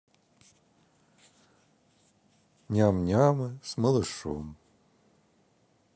ням нямы с малышом